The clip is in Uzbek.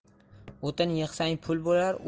o'tin yig'sang pul bo'lar